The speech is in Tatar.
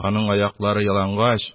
Аның аяклары ялангач,